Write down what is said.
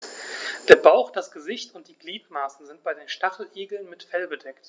Der Bauch, das Gesicht und die Gliedmaßen sind bei den Stacheligeln mit Fell bedeckt.